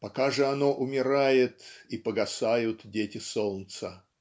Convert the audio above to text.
Пока же оно умирает, и погасают дети солнца.